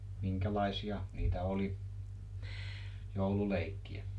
minkälaisia niitä oli joululeikkiä